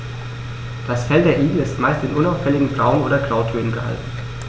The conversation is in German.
Das Fell der Igel ist meist in unauffälligen Braun- oder Grautönen gehalten.